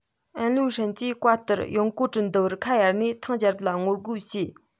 ཨན ལུའུ ཧྲན གྱིས བཀའ ལྟར དབྱང གོ ཀྲུང འདུལ བར ཁ གཡར ནས ཐང རྒྱལ རབས ལ ངོ རྒོལ བྱས